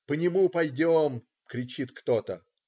по нему пойдем!" - кричит кто-то.